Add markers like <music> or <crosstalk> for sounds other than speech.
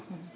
<hesitation> <hesitation>